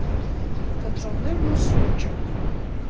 Կտրոններն ու սուրճը։